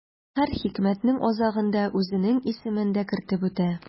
Һәр хикмәтнең азагында үзенең исемен дә кертеп үтә.